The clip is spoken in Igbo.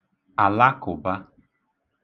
àlakụ̀bā